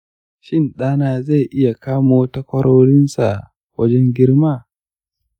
shin ɗa na zai iya kamo takwarorinsa wajen girma?